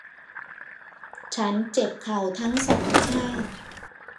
ฉันเจ็บเข่าทั้งสองข้าง